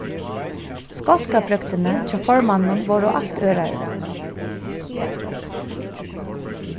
skálkabrøgdini hjá formanninum vórðu alt ørari